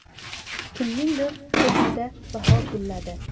kimningdir ko'nglida bahor gulladi